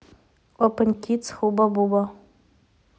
опен кидс хуба буба